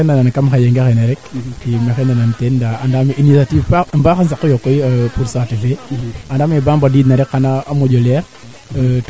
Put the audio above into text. i anda keete ref na i anda njiño nge to i nga aan aussi den taxu bo i mbugaa i partager in fo o fogele ndax den fop de mbaago nga ino yo aussi a mbaago njirñu teen